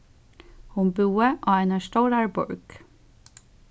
hon búði á einari stórari borg